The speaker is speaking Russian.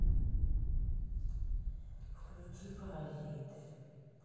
включи паразиты